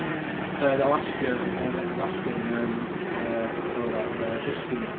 Yr Alaska- yr Alaskan yym yy be ti'n galw fo yy husky 'na...